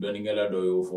Dɔnnikɛla dɔ y'o fɔ